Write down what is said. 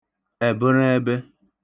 èbə̣reebe